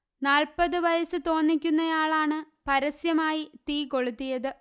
നാല്പ്പത് വയസു തോന്നിയ്ക്കുന്നയാളാണ് പരസ്യമായി തീ കൊളുത്തിയത്